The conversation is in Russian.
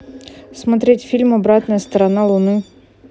смотреть фильм обратная сторона луны